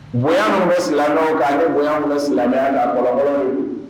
Bonya bɛ silamɛ kan bonya bɛ silamɛya kan kɔlɔ ye